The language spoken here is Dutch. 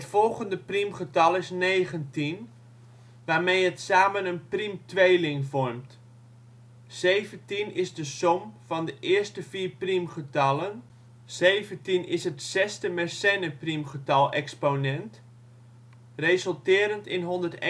volgende priemgetal is negentien, waarmee het samen een priemtweeling vormt. 17 is de som van de eerste vier priemgetallen. 17 is de zesde Mersenne priemgetal-exponent, resulterend in 131071